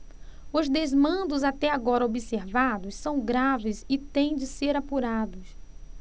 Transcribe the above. os desmandos até agora observados são graves e têm de ser apurados